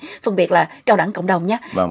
phân biệt là cao đẳng cộng đồng nhất